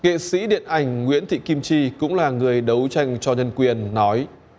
nghệ sĩ điện ảnh nguyễn thị kim chi cũng là người đấu tranh cho nhân quyền nói